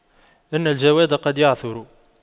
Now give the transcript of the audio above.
إن الجواد قد يعثر